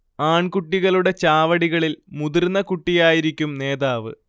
ആൺകുട്ടികളുടെ ചാവടികളിൽ മുതിർന്ന കുട്ടിയായിരിക്കും നേതാവ്